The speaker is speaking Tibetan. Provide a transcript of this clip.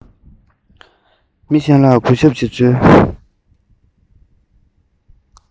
མི གཞན ལ གུས ཞབས བྱེད ཚུལ